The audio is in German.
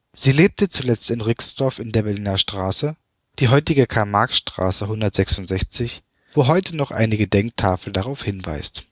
Sie lebte zuletzt in Rixdorf in der Berliner Straße (heute Karl-Marx-Straße 166), wo heute noch eine Gedenktafel darauf hinweist